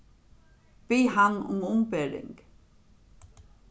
bið hann um umbering